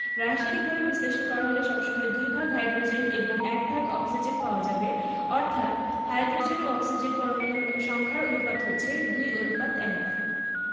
কারন মানুষের প্রধান খাদ্যশস্য হলো ভাত ধানের ফলন সব জমিতে ভালো হয় না মাঝারি নিচু ও নিচু জমিতে ধানের ফলন ভালো হয় মাঝারি উচু জমিতেও ধান চাষ করা হয় কিন্তু সেক্ষেত্রে পানি সেচের ব্যাবস্থা করতে হয়